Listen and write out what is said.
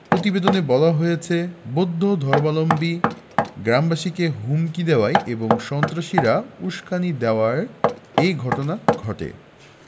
প্রতিবেদনে বলা হয়েছে বৌদ্ধ ধর্মাবলম্বী গ্রামবাসীকে হুমকি দেওয়ায় এবং সন্ত্রাসীরা উসকানি দেওয়ায় এ ঘটনা ঘটে